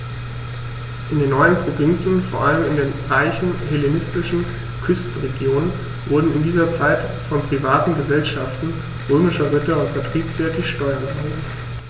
In den neuen Provinzen, vor allem in den reichen hellenistischen Küstenregionen, wurden in dieser Zeit von privaten „Gesellschaften“ römischer Ritter und Patrizier die Steuern erhoben.